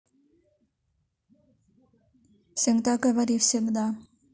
всегда говори всегда